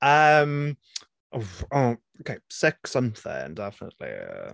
Yym ooph ww ok six something definitely.